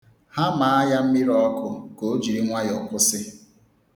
Ha maa ya mmiri ọkụ, ka o jiri nwayọ kwụsị.